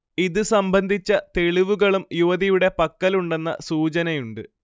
ഇത് സംബന്ധിച്ച തെളിവുകളും യുവതിയുടെ പക്കലുണ്ടെന്ന സൂചനയുണ്ട്